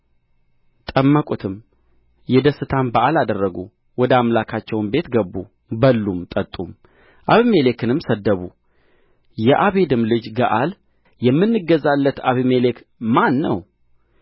ጠመቁትም የደስታም በዓል አደረጉ ወደ አምላካቸውም ቤት ገቡ በሉም ጠጡም አቤሜሌክንም ሰደቡ የአቤድም ልጅ ገዓል የምንገዛለት አቤሜሌክ ማን ነው